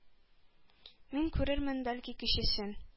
Мин күрермен, бәлки, кечесен?